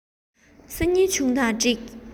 སང ཉིན བྱུང ན འགྲིག ག